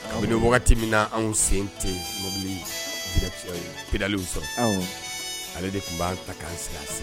Don wagati min na anw sen ten mɔbililenw sɔrɔ ale de tun b'an ta k'an sigi sigi